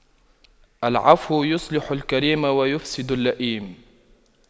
العفو يصلح الكريم ويفسد اللئيم